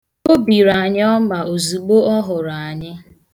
Gaa, bie ya ọma.